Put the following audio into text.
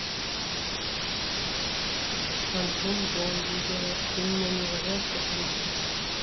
шампунь дом виделась ты меня не уважаешь как личность